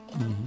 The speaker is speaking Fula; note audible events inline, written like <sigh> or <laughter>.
<hesitation> <hesitation>